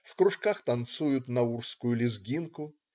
В кружках танцуют наурскую лезгинку.